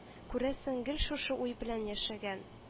Күрәсең, гел шушы уй белән яшәгән